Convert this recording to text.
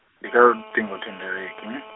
ndi kha luṱingo thendeleki.